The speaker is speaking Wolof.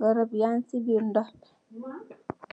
garap yang si biir ndoh bi.